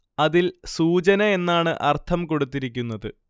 അതിൽ സൂചന എന്നാണ് അർത്ഥം കൊടുത്തിരിക്കുന്നത്